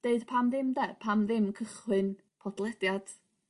deud pam dim 'de? Pam ddim cychwyn podlediad